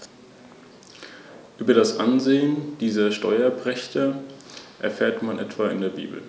Das „Land der offenen Fernen“, wie die Rhön auch genannt wird, soll als Lebensraum für Mensch und Natur erhalten werden.